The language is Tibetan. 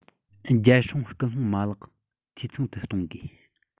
རྒྱལ སྲུང སྐུལ སློང མ ལག འཐུས ཚང དུ གཏོང དགོས